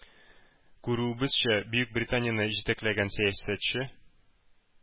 Күрүебезчә, Бөекбританияне җитәкләгән сәясәтче